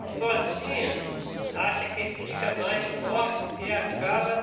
sozinha acha que fica mais forte e acaba